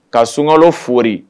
Ka suŋalo foori